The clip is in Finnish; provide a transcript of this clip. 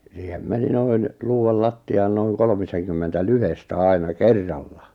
siihen meni noin luudalla lattiaan noin kolmisenkymmentä lyhdettä aina kerralla